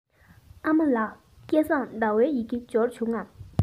ཨ མ ལགས སྐལ བཟང ཟླ བའི ཡི གེ འབྱོར བྱུང ངམ